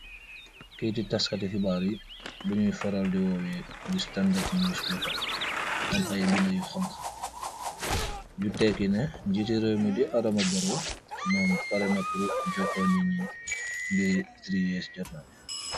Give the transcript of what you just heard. Keiti tasskati khibarr yii bu njui faral d worweh the standard newspaper, am aiiy binda yu honha, yu tehki neh njjiti rewmi di adama barrow mom pareh na pur jokor nitt nji mbirri three years jotna.